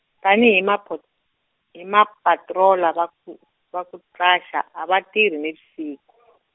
tani hi ma po- hi ma patroller, va ku, va ku Klux a, a va tirhi ni vusiku.